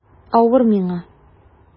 Авыр миңа...